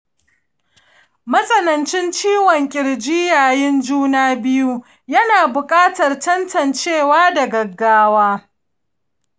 matsanancin ciwon kirji yayin juna biyu, yana buƙatar tantancewa da gaggawa.